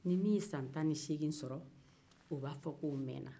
ni min ye san tannisegin sɔrɔ u b'a fɔ ko o mɛnna